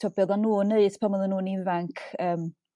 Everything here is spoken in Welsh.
t'o' be' o'ddan nhw'n neud pan o'dden nhw'n ifanc yrm